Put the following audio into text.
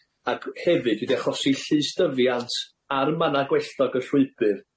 ac hefyd wedi achosi llysdyfiant ar y manna gwelltog y llwybyr.